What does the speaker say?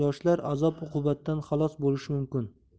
yoshlar azob uqubatdan xalos bo'lishi mumkin